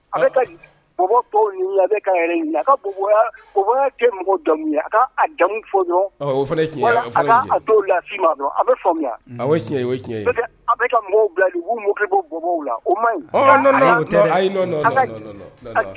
Jamu